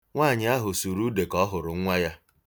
Nwaanyị ahụ sụrụ ude ka ọ hụrụ nwa ya.